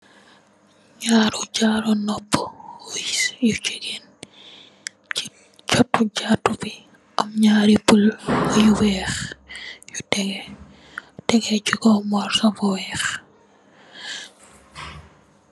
Nyaaru jaaru noppu wees yu jigeen, si kepu jaaru bi am nyaari bul yu weex yu tegge, tegge si morso bu weex.